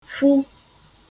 fu